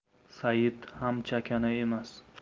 sayitt ham chakana emas